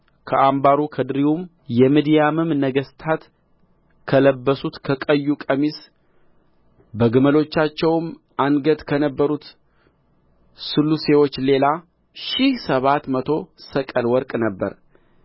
ከአምባሩ ከድሪውም የምድያምም ነገሥታት ከለበሱት ከቀዩ ቀሚስ በግመሎቻቸውም አንገት ከነበሩት ሥሉሴዎች ሌላ ሺህ ሰባት መቶ ሰቅለ ወርቅ ነበረ